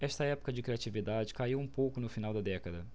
esta época de criatividade caiu um pouco no final da década